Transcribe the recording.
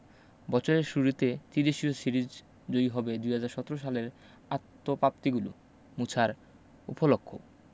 বছরের শুরুতে ত্রিদেশীয় সিরিজ জয়ই হবে ২০১৭ সালের আত্তপাপ্তিগুলু মোছার উপলক্ষও